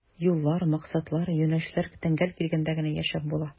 Юллар, максатлар, юнәлешләр тәңгәл килгәндә генә яшәп була.